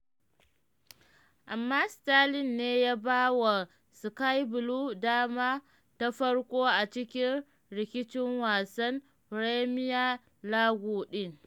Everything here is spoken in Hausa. Amma Sterling ne ya ba wa Sky Blues dama ta farko a cikin rikicin wasan Premier League din.